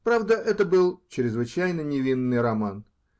Правда, это был чрезвычайно невинный роман